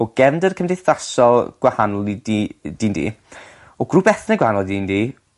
o gefndir cymdeithasol gwahanol i di- d'un di o grŵp ethnig gwahanol i d'un di